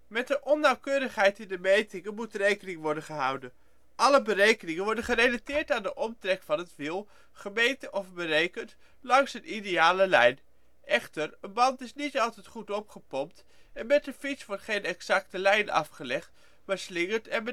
Met een onnauwkeurigheid in de metingen moet rekening worden gehouden. Alle berekeningen worden gerelateerd aan de omtrek van het wiel, gemeten, of berekend langs een ideale lijn. Echter, een band is niet altijd goed opgepompt en met een fiets wordt geen exacte lijn afgelegd, maar slingert en